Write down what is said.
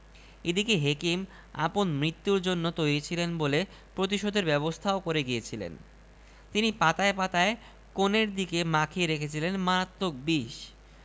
সেইটে পড়ার সঙ্গে সঙ্গে রাজা বিষবাণের ঘায়ে ঢলে পড়লেন বাঙালীর বই কেনার প্রতি বৈরাগ্য দেখে মনে হয় সে যেন গল্পটা জানে আর মরার ভয়ে বই কেনা বই পড়া ছেড়ে দিয়েছে